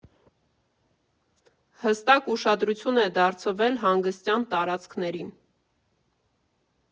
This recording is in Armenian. Հատուկ ուշադրություն է դարձվել հանգստյան տարածքներին.